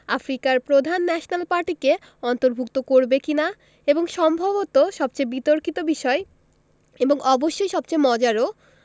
আফ্রিকার প্রধান ন্যাশনাল পার্টিকে অন্তর্ভুক্ত করবে কি না এবং সম্ভবত সবচেয়ে বিতর্কিত বিষয় এবং অবশ্যই সবচেয়ে মজারও